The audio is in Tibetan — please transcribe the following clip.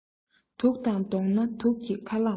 དུག དང བསྡོངས ན དུག གི ཁ རླངས ཕོག